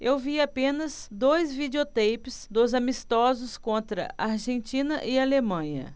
eu vi apenas dois videoteipes dos amistosos contra argentina e alemanha